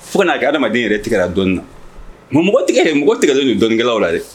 Fo kana a ka adamadamaden yɛrɛ tigɛra dɔɔnin na ma mɔgɔ mɔgɔ tigɛ don don dɔnkɛlaw la dɛ